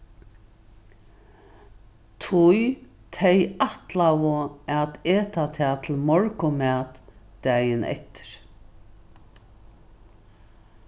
tí tey ætlaðu at eta tað til morgunmat dagin eftir